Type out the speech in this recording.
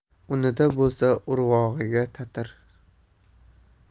unida bo'lsa urvog'iga tatir